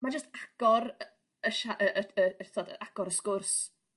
Mae jyst agor y y sia- agor y sgwrs